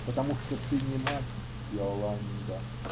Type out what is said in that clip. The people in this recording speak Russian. Потому что ты не мать, Иоланда.